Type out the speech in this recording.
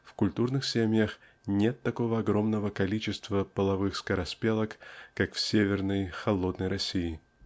в культурных -семьях нет такого огромного количества половых скороспелок как в северной холодной России.